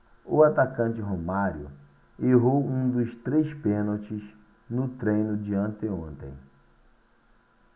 o atacante romário errou um dos três pênaltis no treino de anteontem